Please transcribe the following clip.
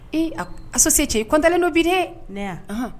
Ee a se cɛ ye kɔntlen don b biri ye